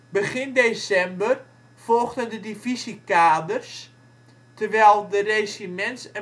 Begin december volgden de divisiekaders, terwijl de regiments